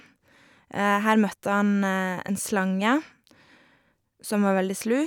Her møtte han en slange som var veldig slu.